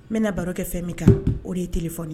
N bɛna barokɛ fɛn min kan o de ye t fɔ